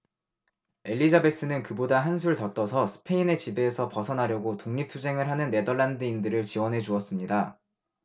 엘리자베스는 그보다 한술 더 떠서 스페인의 지배에서 벗어나려고 독립 투쟁을 하는 네덜란드인들을 지원해 주었습니다